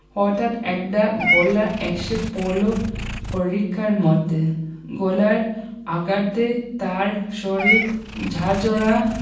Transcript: হটাঠ একটা গোলা এসে পড়ল পরিখার মধ্যে গোলার আঘাতে তার শরীর ঝাঁঝরা